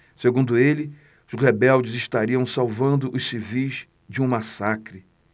segundo ele os rebeldes estariam salvando os civis de um massacre